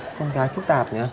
con gái phức tạp nhờ